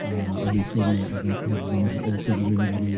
A o' fi'n ffilmio efo cerddor o Gymru o'r enw...